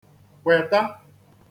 kwèta